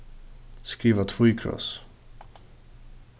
skriva tvíkross